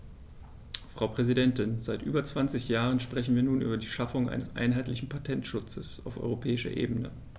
Frau Präsidentin, seit über 20 Jahren sprechen wir nun über die Schaffung eines einheitlichen Patentschutzes auf europäischer Ebene.